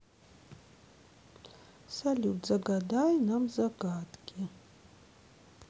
салют загадай нам загадки